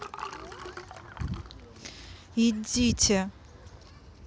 идите